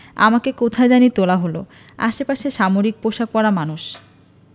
আমাকে কোথায় জানি তোলা হলো আশেপাশে সামরিক পোশাক পরা মানুষ